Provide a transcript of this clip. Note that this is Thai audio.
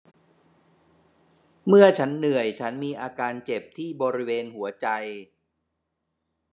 เมื่อฉันเหนื่อยฉันมีอาการเจ็บที่บริเวณหัวใจ